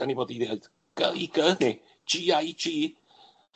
'Dan ni fod i ddweud gy i gy neu gee i gee?